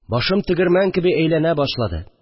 Башым тегермән кеби әйләнә башлады